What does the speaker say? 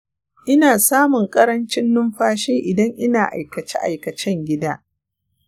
ina samun ƙarancin numfashi idan ina aikace aikacen gida.